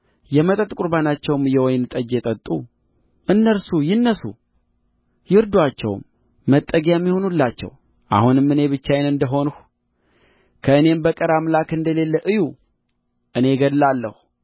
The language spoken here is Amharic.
የመጠጥ ቍርባናቸውንም የወይን ጠጅ የጠጡ እነርሱ ይነሡ ይርዱአችሁም መጠጊያም ይሁኑላችሁ አሁንም እኔ ብቻዬን እኔ እንደ ሆንሁ ከእኔም በቀር አምላክ እንደሌለ እዩ እኔ እገድላለሁ